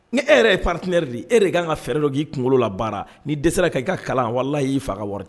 Ni e yɛrɛ ye patiɛ de e de ye ka kan ka fɛɛrɛ dɔ k'i kunkolo la baara ni dɛsɛ sera ka'i ka kalan wala y'i faga wari cɛ